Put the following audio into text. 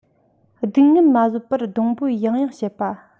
སྡུག བསྔལ མ བཟོད པར གདུང འབོད ཡང ཡང བྱེད པ